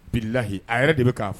Bilahi a yɛrɛ de bɛ kan fɔ